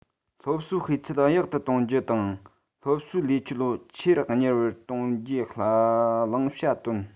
སློབ གསོའི སྤུས ཚད ཡག ཏུ གཏོང རྒྱུ དང སློབ གསོའི ལས ཆོད ཆེ རུ མྱུར བར གཏོང རྒྱུའི བླང བྱ བཏོན